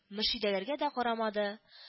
Мөршидәләргә дә карамады